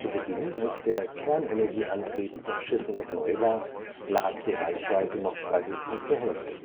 Beginn, als der Kernenergieantrieb auf Schiffen noch neu war, lag die Reichweite noch bei höchstens der Hälfte